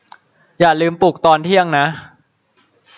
อย่าลืมปลุกตอนเที่ยงนะ